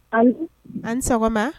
A ni sɔgɔma.